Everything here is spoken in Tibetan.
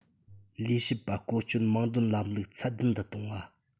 ལས བྱེད པ བསྐོ སྤྱོད མིང འདོན ལམ ལུགས ཚད ལྡན དུ གཏོང བ